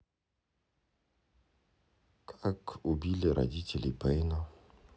как убили родителей пейна